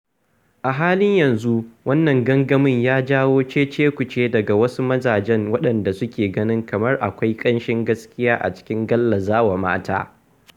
A halin yanzu, wannan gangami ya jawo cece-kuce daga wasu mazajen waɗanda suke ganin kamar akwai ƙanshin gaskiya a cikin gallazawa matan.